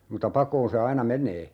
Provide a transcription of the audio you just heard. mutta pakoon se aina menee